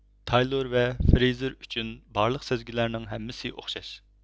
تايلور ۋە فرېيزېر ئۈچۈن بارلىق سەزگۈلەرنىڭ ھەممىسى ئوخشاش